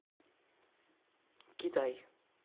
китай